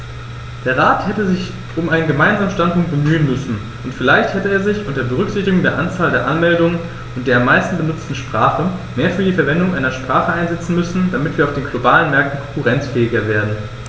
Der Rat hätte sich um einen gemeinsamen Standpunkt bemühen müssen, und vielleicht hätte er sich, unter Berücksichtigung der Anzahl der Anmeldungen und der am meisten benutzten Sprache, mehr für die Verwendung einer Sprache einsetzen müssen, damit wir auf den globalen Märkten konkurrenzfähiger werden.